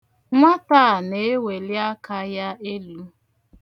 Nwata a na-eweli aka ya elu.